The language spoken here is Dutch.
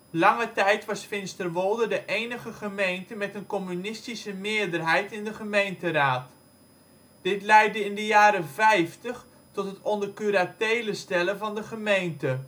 Lange tijd was Finsterwolde de enige gemeente met een communistische meerderheid in de gemeenteraad. Dit leidde in de jaren vijftig tot het onder curatele stellen van de gemeente